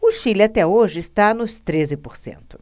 o chile até hoje está nos treze por cento